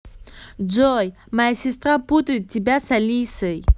джой моя сестра путает тебя с алисой